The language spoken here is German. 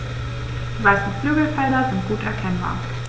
Die weißen Flügelfelder sind gut erkennbar.